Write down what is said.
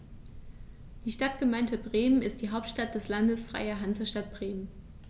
Die Stadtgemeinde Bremen ist die Hauptstadt des Landes Freie Hansestadt Bremen.